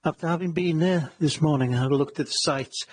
After having been there this morning and had a look at the site,